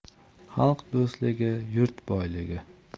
xalq do'stligi yurt boyligi